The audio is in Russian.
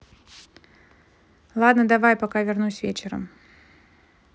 ладно давай пока вернусь вечером